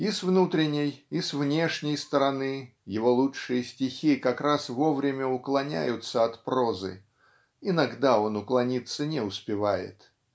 И с внутренней и с внешней стороны его лучшие стихи как раз вовремя уклоняются от прозы (иногда он уклониться не успевает)